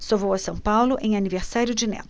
só vou a são paulo em aniversário de neto